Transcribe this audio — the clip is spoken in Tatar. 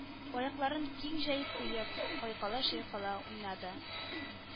Аякларын киң җәеп куеп, айкала-чайкала уйнады